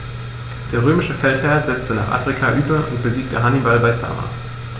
Der römische Feldherr setzte nach Afrika über und besiegte Hannibal bei Zama.